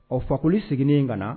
Ɔ fakoli sigilen in ka na